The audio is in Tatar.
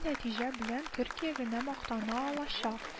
Мондый нәтиҗә белән Төркия генә мактана алачак